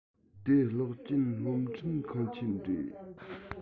དེ གློག ཅན སློབ ཁྲིད ཁང ཆེན རེད